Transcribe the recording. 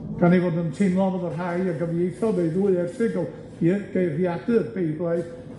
gan ei fod yn teimlo fod y rhai a gyfieithodd ei ddwy erthygl i'r geiriadur Beiblaidd